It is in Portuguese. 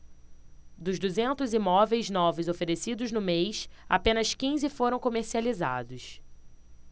dos duzentos imóveis novos oferecidos no mês apenas quinze foram comercializados